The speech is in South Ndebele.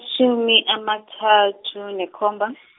-tjhumi amamthathu nekhomba .